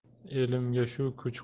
elimga shu kuch